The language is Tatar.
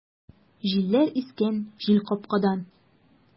Җилләр искән җилкапкадан!